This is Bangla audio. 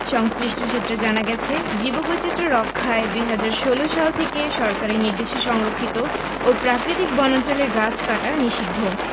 সংশ্লিষ্ট সূত্রে জানা গেছে জীববৈচিত্র্য রক্ষায় ২০১৬ সাল থেকে সরকারি নির্দেশে সংরক্ষিত ও প্রাকৃতিক বনাঞ্চলের গাছ কাটা নিষিদ্ধ